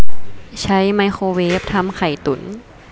ใช้ไมโครเวฟทำไข่่ตุ๋น